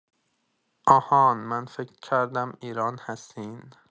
آهان من فکر کردم ایران هستین